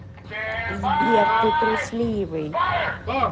сбер ты трусливый